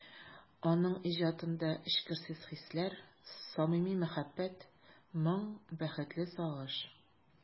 Аның иҗатында эчкерсез хисләр, самими мәхәббәт, моң, бәхетле сагыш...